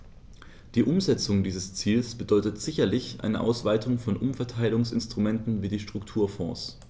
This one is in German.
Die Umsetzung dieses Ziels bedeutet sicherlich eine Ausweitung von Umverteilungsinstrumenten wie die Strukturfonds.